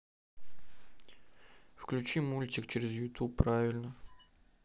включи мультик через ютуб правильно